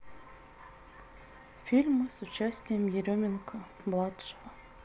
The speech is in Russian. фильмы с участием еременко младшего